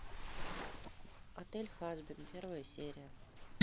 отель хазбин первая серия